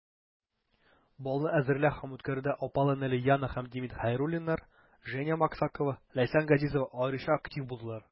Балны әзерләү һәм үткәрүдә апалы-энеле Яна һәм Демид Хәйруллиннар, Женя Максакова, Ләйсән Газизова аеруча актив булдылар.